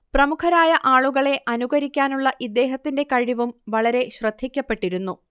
പ്രമുഖരായ ആളുകളെ അനുകരിക്കാനുള്ള ഇദ്ദേഹത്തിന്റെ കഴിവും വളരെ ശ്രദ്ധിക്കപ്പെട്ടിരുന്നു